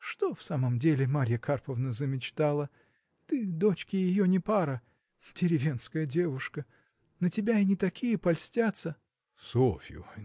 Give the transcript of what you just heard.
) Что в самом деле Марья Карповна замечтала! ты дочке ее не пара. Деревенская девушка! на тебя и не такие польстятся. – Софью!